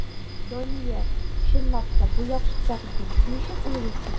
Дания, чынлап та, бу яхшы тәкъдим, син ничек уйлыйсың?